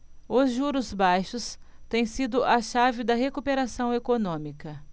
os juros baixos têm sido a chave da recuperação econômica